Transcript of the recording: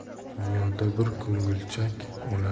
dunyoda bir ko'ngilchak